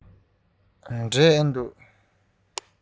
འབྲས འདུག གས